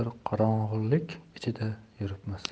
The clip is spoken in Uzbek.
bir qorong'ilik ichida yuribmiz